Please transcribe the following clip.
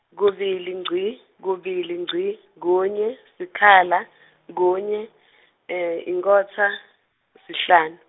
kubili ngci, kubili ngci, kunye, sikhala, kunye inkhotsa sihlanu.